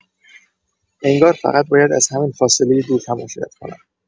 انگار فقط باید از همین فاصله دور تماشایت کنم.